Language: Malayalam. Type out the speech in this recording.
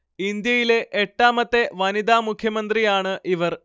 ഇന്ത്യയിലെ എട്ടാമത്തെ വനിതാ മുഖ്യമന്ത്രിയാണ് ഇവർ